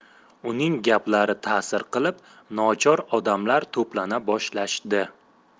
uning gaplari ta'sir qilib nochor odamlar to'plana boshlashdi